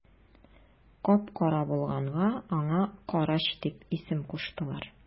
Кап-кара булганга аңа карач дип исем куштылар.